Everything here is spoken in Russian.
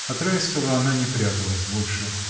От Райского она не пряталась больше.